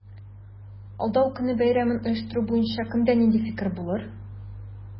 Алдау көне бәйрәмен оештыру буенча кемдә нинди фикер булыр?